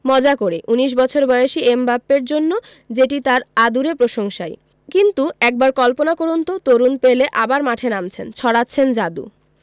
মজা করেই ১৯ বছর বয়সী এমবাপ্পের জন্য যেটি তাঁর আদুরে প্রশংসাই কিন্তু একবার কল্পনা করুন তো তরুণ পেলে আবার মাঠে নামছেন ছড়াচ্ছেন জাদু